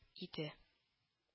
Иде